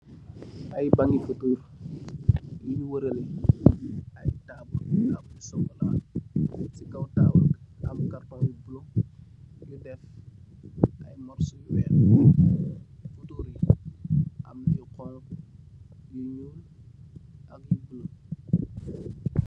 Ay bangi fotorr yu waraleh ay taball yu am lu sokola, ci kaw taball bi mugii am ay karton yu bula yu def ay morsoh yu wèèx , fotorr yi am na yu xonxu, ñuul ak yu bula.